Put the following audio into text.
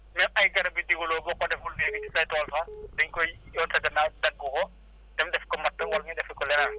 même ay garab yu digaloo boo kodeful léegi ci say tool sax dañ koy ñëw sa gannaaw fekk ko fa dem def ko matt wala ñu defi ko leneen